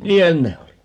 niinhän ne oli